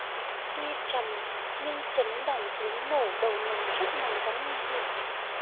tuy trầm nhưng chấn động tiếng nổ đầu nòng rất mạnh và nguy hiểm